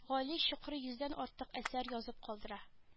Гали чокрый йөздән артык әсәр язып калдыра